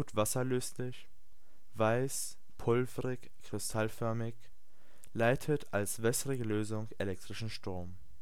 wasserlöslich weiß, pulvrig, kristallförmig leitet als wässrige Lösung elektrischen Strom